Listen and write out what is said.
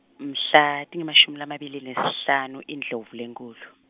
mhla, tingemashumi lamabili nesihlanu Indlovulenkhulu.